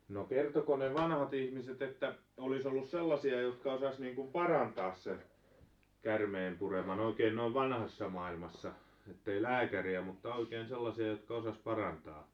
no kertoiko ne vanhat ihmiset että olisi ollut sellaisia jotka osasi niin kuin parantaa sen käärmeenpureman oikein noin vanhassa maailmassa että ei lääkäriä mutta oikein sellaisia jotka osasi parantaa